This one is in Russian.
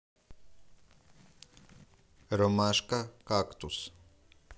ромашка кактус